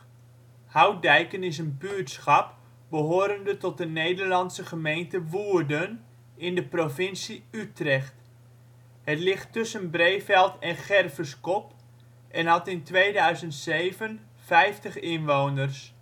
buurtschap behorende tot de Nederlandse gemeente Woerden, in de provincie Utrecht. Het ligt tussen Breeveld en Gerverscop en had in 2007 50 inwoners